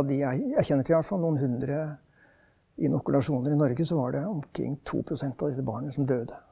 av de jeg jeg kjenner til i hvert fall, noen 100 inokulasjoner i Norge, så var det omkring 2% av disse barnene som døde.